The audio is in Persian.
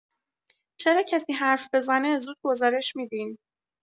چرا کسی حرف بزنه زود گزارش می‌دین